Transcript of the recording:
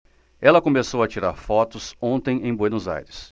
ela começou a tirar fotos ontem em buenos aires